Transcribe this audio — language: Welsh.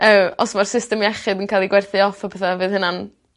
yy os ma'r system iechyd yn ca'l uu gwerthu off a petha fydd hynna'n